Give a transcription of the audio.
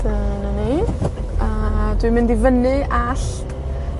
Dyna ni, a dwi'n mynd i fyny allt...